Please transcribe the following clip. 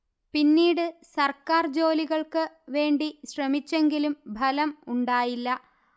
പിന്നീട് സർക്കാർ ജോലികൾക്ക് വേണ്ടി ശ്രമിച്ചെങ്കിലും ഫലം ഉണ്ടായില്ല